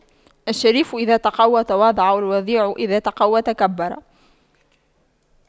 الشريف إذا تَقَوَّى تواضع والوضيع إذا تَقَوَّى تكبر